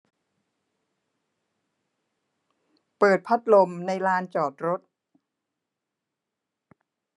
เปิดพัดลมในลานจอดรถ